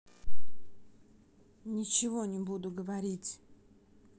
ничего не буду говорить